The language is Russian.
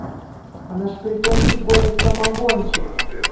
а наш притончик гонит самогончик